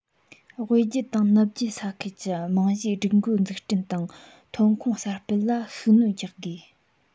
དབུས རྒྱུད དང ནུབ རྒྱུད ས ཁུལ གྱི རྨང གཞིའི སྒྲིག བཀོད འཛུགས སྐྲུན དང ཐོན ཁུངས གསར སྤེལ ལ ཤུགས སྣོན རྒྱག དགོས